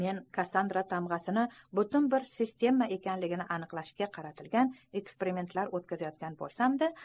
men kassandra tamg'asini butun bir sistema ekanligini aniqlashga qaratilgan ekspermentlar o'tkazayotgan bo'lsam da